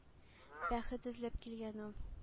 Бәхет эзләп килгән ул.